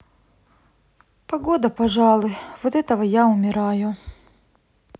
погода пожалуйста вот этого я умираю